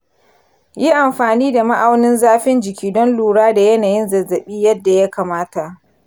yi amfani da ma'aunin zafin jiki don lura da yanayin zazzabi yadda ya kamata.